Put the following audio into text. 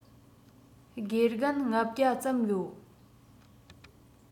དགེ རྒན ༥༠༠ ཙམ ཡོད